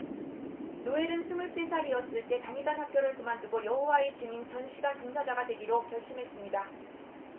노엘은 스물세 살이었을 때 다니던 학교를 그만두고 여호와의 증인 전 시간 봉사자가 되기로 결심했습니다